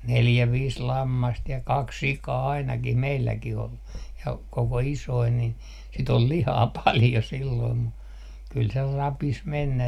neljä viisi lammasta ja kaksi sikaa ainakin meilläkin oli ja koko isoja niin sitä oli lihaa paljon silloin mutta kyllä se rapisi mennä